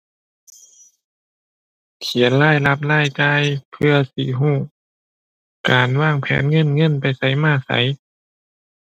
เขียนรายรับรายจ่ายเพื่อสิรู้การวางแผนเงิน เงินไปไสมาไส